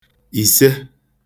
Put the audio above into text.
ìse